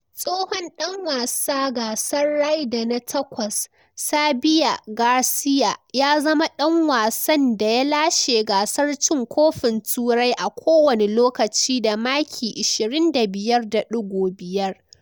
Tsohon dan wasa gasar Ryder na takwas, Serbia Garcia ya zama dan wasan da ya lashe gasar cin kofin Turai a kowane lokaci da maki 25.5.